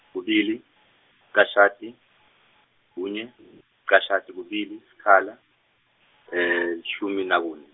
kubili, licashati, kunye, licashati, kubili, sikhala, lishumi nakune.